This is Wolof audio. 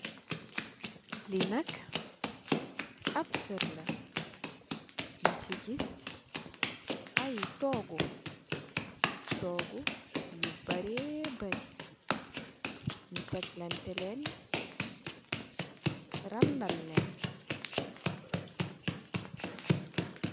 Lii nak ab kër la, ñu si gis ay toogu yu bëree bëree, ñu teklaante léén, randaleen.